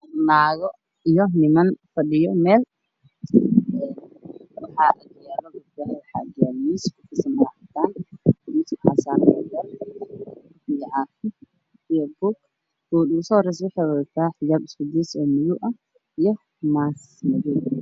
Naago iyo niman fadhiyo meel waxa ag yaalo miis